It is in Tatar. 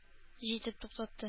Җитеп туктатты